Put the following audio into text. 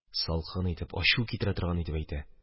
Салкын итеп, ачу китерә торган итеп әйтә.